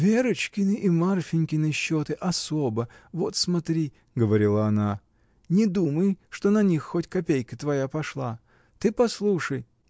— Верочкины и Марфинькины счеты особо: вот смотри, — говорила она, — не думай, что на них хоть копейка твоя пошла. Ты послушай.